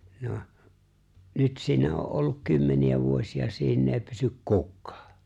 no nyt siinä on ollut kymmeniä vuosia siinä ei pysy kukaan